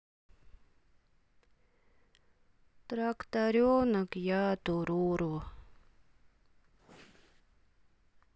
тракторенок я туруру